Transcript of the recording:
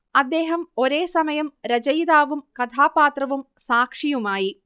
അദ്ദേഹം ഒരേസമയം രചയിതാവും കഥാപാത്രവും സാക്ഷിയുമായി